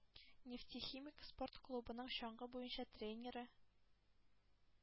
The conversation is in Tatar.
«нефтехимик» спорт клубының чаңгы буенча тренеры